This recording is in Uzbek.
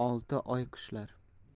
olti oy qishlar